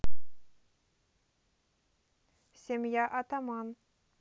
семья атаман